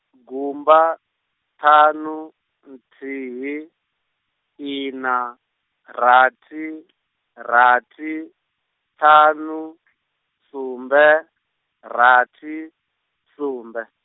gumba, ṱhanu, nthihi, ina, rathi , rathi, ṱhanu , sumbe, rathi, sumbe.